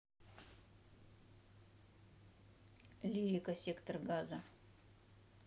лирика сектор газа